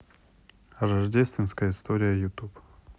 рождественская история ютуб